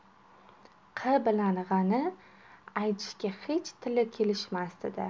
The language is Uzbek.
q bilan g'ni aytishga hech tili kelishmasdi